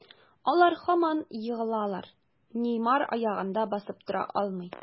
Алар һаман егылалар, Неймар аягында басып тора алмый.